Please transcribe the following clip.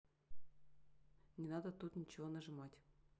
не надо тут ничего нажимать